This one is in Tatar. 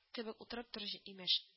Кебек утрып тор җ имеш